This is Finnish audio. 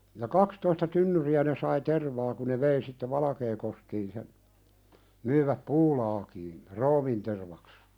ja kaksitoista tynnyriä ne sai tervaa kun ne vei sitten Valkeakoskeen sen myivät puulaakiin ruumiintervaksi